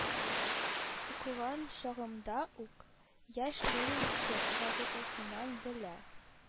Укыган чагымда ук, «яшь ленинчы» газетасыннан белә